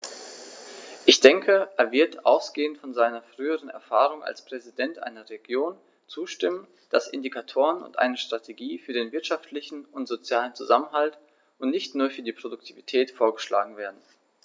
Ich denke, er wird, ausgehend von seiner früheren Erfahrung als Präsident einer Region, zustimmen, dass Indikatoren und eine Strategie für den wirtschaftlichen und sozialen Zusammenhalt und nicht nur für die Produktivität vorgeschlagen werden.